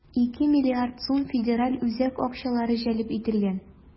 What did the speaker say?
2 млрд сум федераль үзәк акчалары җәлеп ителгән.